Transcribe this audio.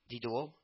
— диде ул